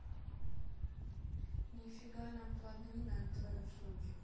нифига нам платно не надо твои услуги